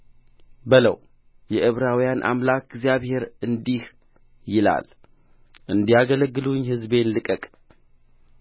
በለው የዕብራውያን አምላክ እግዚአብሔር እንዲህ ይላል እንዲያገለግሉኝ ሕዝቤን ልቀቅ